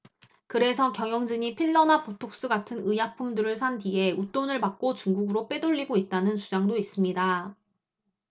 그래서 경영진이 필러나 보톡스 같은 의약품들을 산 뒤에 웃돈을 받고 중국으로 빼돌리고 있다는 주장도 있습니다